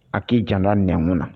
A ki janto a nɛnkun na.